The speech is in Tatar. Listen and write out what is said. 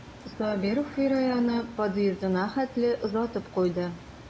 Сабиров Фираяны подъездына хәтле озатып куйды.